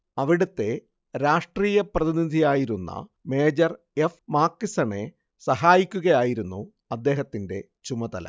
അവിടത്തെ രാഷ്ട്രീയപ്രതിനിധിയായിരുന്ന major F മാക്കിസണെ സഹായിക്കുകയായിരുന്നു അദ്ദേഹത്തിന്റെ ചുമതല